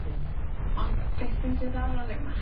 Ie. O. Ond be' sy'n diddorol yw ma'...